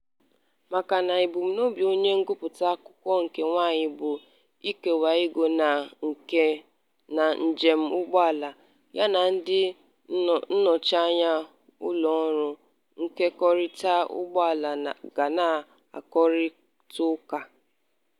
Maka na ebumnobi onye ngụpụta akụkọ nke nwaanyị bụ ịchekwa ego na njem ụgbọala, ya na ndị nnọchiteanya ụlọọrụ nkekọrịta ụgbọala ga na-akparịtaụka.